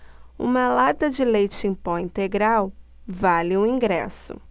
uma lata de leite em pó integral vale um ingresso